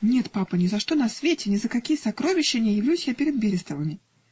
"-- "Нет, папа, ни за что на свете, ни за какие сокровища не явлюсь я перед Берестовыми".